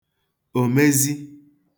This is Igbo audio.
òmezi